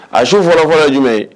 A su fɔrafɔlɔ ye jumɛn ye